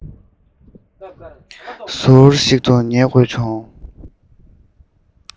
ཟུར ཞིག ཏུ ཉལ དགོས བྱུང